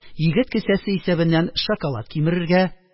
Егет кесәсе исәбеннән шоколад кимерергә